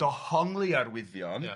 ...dohongli arwyddion... Ia.